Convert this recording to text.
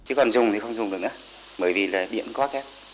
chứ còn dùng thì không dùng được nữa bởi vì là điểm quá kém